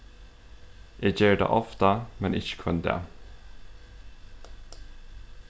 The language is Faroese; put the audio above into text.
eg geri tað ofta men ikki hvønn dag